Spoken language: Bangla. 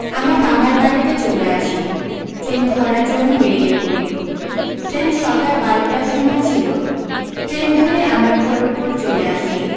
আমরা মামার বাড়ীতে চলে আসি ট্রেন ধরার জন্য বেরিয়ে পড়ি ট্রেন সকাল বারো টার সময় ছিল ট্রেন ধরে আমরা খড়গপুর চলে আসি